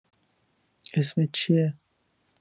اسمت چیه